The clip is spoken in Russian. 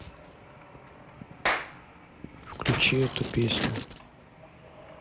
включи эту песню